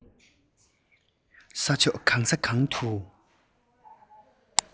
ས ཕྱོགས གང ས གང དུ